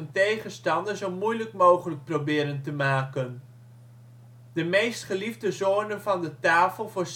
tegenstander zo moeilijk mogelijk proberen te maken. De meest geliefde zone van de tafel voor